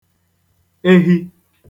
ehi